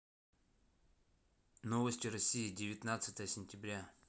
новости россии девятнадцатое сентября